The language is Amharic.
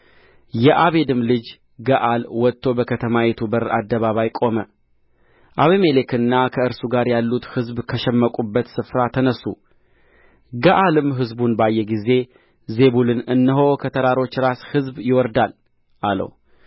የአቤድም ልጅ ገዓል ወጥቶ በከተማይቱ በር አደባባይ ቆመ አቤሜሌክና ከእርሱ ጋር ያሉት ሕዝብ ከሸመቁበት ስፍራ ተነሱ ገዓልም ሕዝቡን ባየ ጊዜ ዜቡልን እነሆ ከተራሮች ራስ ሕዝብ ይወርዳል አለው